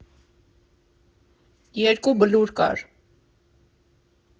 Երկու բլուր կար.